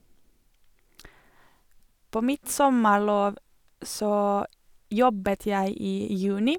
På mitt sommarlov så jobbet jeg i juni.